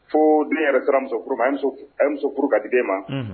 Fo den yɛrɛ sɔrɔ muso muso ka di den ma